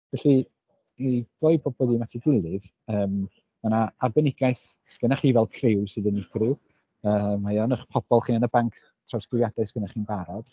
Felly i gloi bob at ei gilydd yym ma' 'na arbenigaeth sy gennych chi fel criw sydd yn unigryw, yy mae o yn eich pobol chi yn y banc trawsgrifiadau sy gennych chi yn barod.